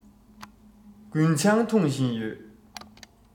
རྒུན ཆང འཐུང བཞིན ཡོད